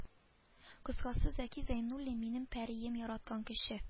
Кыскасы зәки зәйнуллин минем пәрием яраткан кеше